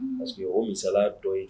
Parceseke ye o misalaya dɔ ye